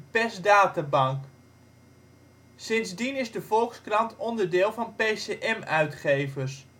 PersDataBank). Sindsdien is de Volkskrant onderdeel van PCM Uitgevers